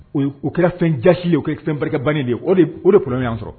O kɛra fɛn jasilen ye, o kɛra fɛn barikabannen ye . O de , o de problème yan sɔrɔ.